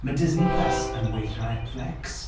Ma' Disney Plus yn well na Netflix.